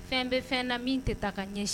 Fɛn bɛɛ fɛn na min tɛ taa ka ɲɛsin